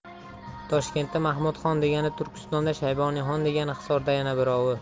toshkentda mahmudxon degani turkistonda shayboniyxon degani hisorda yana birovi